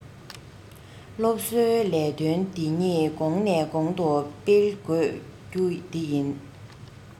སློབ གསོའི ལས དོན འདི ཉིད གོང ནས གོང དུ སྤེལ དགོས རྒྱུ དེ ཡིན